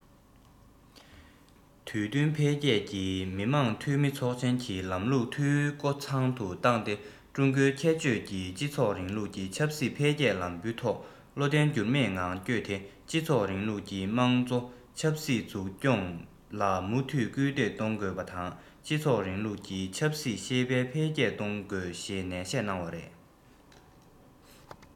དུས བསྟུན འཕེལ རྒྱས ཀྱིས མི དམངས འཐུས མི ཚོགས ཆེན གྱི ལམ ལུགས འཐུས སྒོ ཚང དུ བཏང སྟེ ཀྲུང གོའི ཁྱད ཆོས ཀྱི སྤྱི ཚོགས རིང ལུགས ཀྱི ཆབ སྲིད འཕེལ རྒྱས ལམ བུའི ཐོག བློ བརྟན འགྱུར མེད ངང བསྐྱོད དེ སྤྱི ཚོགས རིང ལུགས ཀྱི དམངས གཙོ ཆབ སྲིད འཛུགས སྐྱོང ལ མུ མཐུད སྐུལ འདེད གཏོང དགོས པ དང སྤྱི ཚོགས རིང ལུགས ཀྱི ཆབ སྲིད ཤེས དཔལ འཕེལ རྒྱས གཏོང དགོས ཞེས ནན བཤད གནང བ རེད